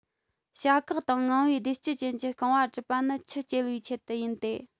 བྱ གག དང ངང པའི སྡེར སྐྱི ཅན གྱི རྐང བ གྲུབ པ ནི ཆུ རྐྱལ བའི ཆེད དུ ཡིན ཏེ